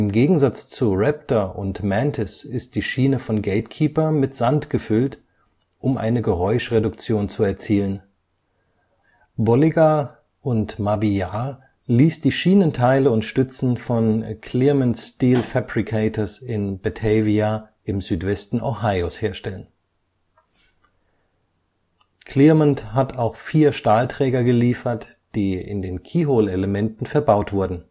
Gegensatz zu Raptor und Mantis ist die Schiene von GateKeeper mit Sand gefüllt, um eine Geräuschreduktion zu erzielen. Bolliger & Mabillard ließ die Schienenenteile und Stützen von Clermont Steel Fabricators in Batavia im Südwesten Ohios herstellen. Clermont hat auch vier Stahlträger geliefert, die in den Keyhole-Elementen verbaut wurden